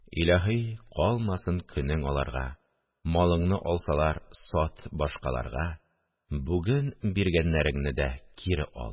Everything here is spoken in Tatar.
Илаһи, калмасын көнең аларга, Малыңны алсалар, сат башкаларга; Бүген биргәннәреңне дә кире ал